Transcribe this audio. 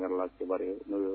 Ye n'o ye